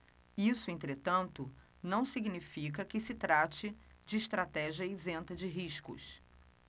isso entretanto não significa que se trate de estratégia isenta de riscos